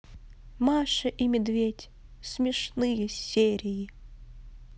маша и медведь смешные серии